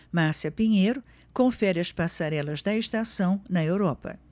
márcia pinheiro confere as passarelas da estação na europa